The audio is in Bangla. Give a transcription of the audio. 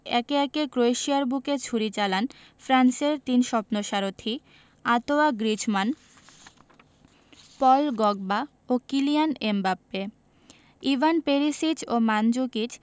একে একে ক্রোয়েশিয়ার বুকে ছুরি চালান ফ্রান্সের তিন স্বপ্নসারথি আঁতোয়া গ্রিজমান পল গগবা ও কিলিয়ান এমবাপ্পে ইভান পেরিসিচ ও মানজুকিচ